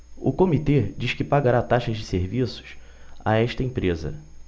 o comitê diz que pagará taxas de serviço a estas empresas